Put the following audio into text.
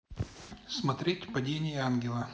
смотреть падение ангела